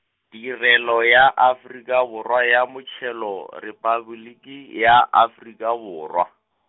Tirelo ya Afrika Borwa ya Motšhelo, Repabliki ya Afrika Borwa.